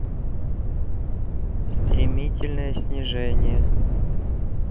стремительное снижение